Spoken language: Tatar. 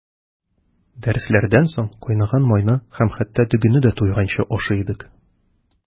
Дәресләрдән соң кайнаган майны һәм хәтта дөгене дә туйганчы ашый идек.